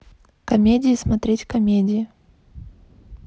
комедии смотреть комедии